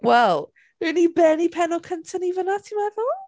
Wel wnawn ni bennu pennod cynta ni fan'na, ti'n meddwl?